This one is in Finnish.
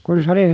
kun se oli